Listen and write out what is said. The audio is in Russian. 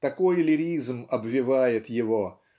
такой лиризм обвевает его